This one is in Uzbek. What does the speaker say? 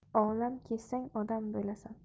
olam kezsang odam bo'lasan